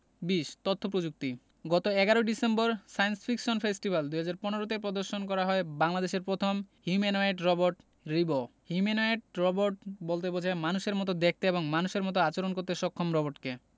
২০ তথ্য প্রযুক্তি গত ১১ ডিসেম্বর সায়েন্স ফিকশন ফেস্টিভ্যাল ২০১৫ তে প্রদর্শন করা হয় বাংলাদেশের প্রথম humanoid robot Ribo humanoid robot বলতে বোঝায় মানুষের মতো দেখতে এবং মানুষের মতো আচরণ করতে সক্ষম রবটকে